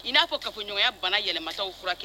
I n'a fɔ ka fɔɲɔgɔnya bana yɛlɛmamasaw furakɛ